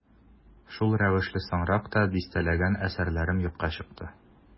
Шул рәвешле соңрак та дистәләгән әсәрләрем юкка чыкты.